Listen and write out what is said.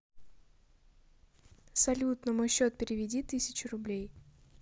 салют на мой счет переведи тысячу рублей